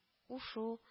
Ушу